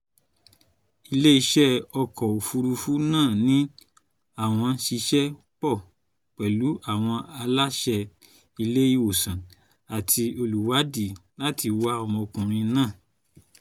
Ilé-iṣẹ́ ọkọ̀-òfúrufú náà ní àwọn ń ṣiṣẹ́ pọ̀ pẹ̀lú àwọn aláṣẹ, ilé-ìwòsaǹ àti olùwádìí láti wá ọmọkùnrin náà.